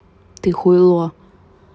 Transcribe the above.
ты хуйло